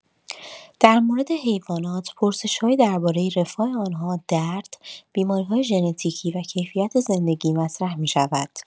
در مورد حیوانات، پرسش‌هایی درباره رفاه آن‌ها، درد، بیماری‌های ژنتیکی و کیفیت زندگی مطرح می‌شود.